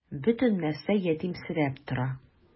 Бөтен нәрсә ятимсерәп тора.